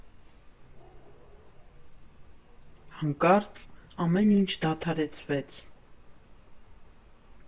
Հանկարծ ամեն ինչ դադարեցվեց.